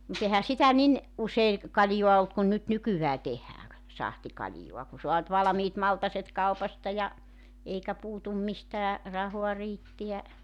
mutta eihän sitä niin usein kaljaa ollut kuin nyt nykyään tehdään - sahtikaljaa kun saa nyt valmiit maltaat kaupasta ja eikä puutu mistään rahaa riittää